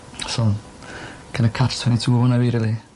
So flirtatious kina catch twenty two ohona fi rili.